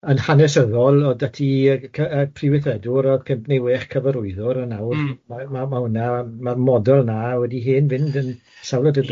yn hanesyddol, odd da ti yy cy- yy prif weithredwr o cwmpni wech cyfarwyddwr, a nawr ma' ma' ma' hwnna, ma'r model na wedi hen fynd yn sawl awdurdod. Ie.